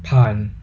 ผ่าน